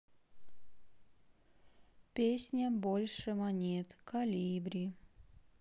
песня больше монет колибри